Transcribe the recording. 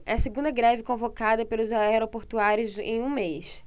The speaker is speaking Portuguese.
é a segunda greve convocada pelos aeroportuários em um mês